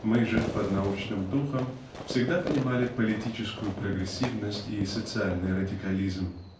Мы же под научным духом всегда понимали политическую прогрессивность и социальный радикализм.